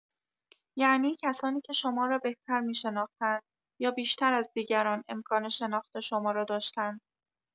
یعنی کسانی که شما را بهتر می‌شناختند یا بیشتر از دیگران امکان شناخت شما را داشتند.